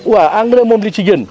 waaw engrais moom li ci gën